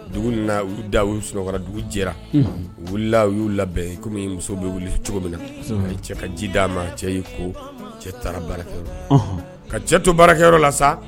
Dugu nana u da u sun dugu jɛra u wulila u y'u labɛn kɔmi muso bɛ wili cogo min na cɛ ka ji d'a ma cɛ'i ko cɛ taara baarakɛ ka cɛ to baarakɛyɔrɔ la sa